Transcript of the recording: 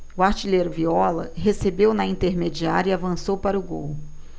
o artilheiro viola recebeu na intermediária e avançou para o gol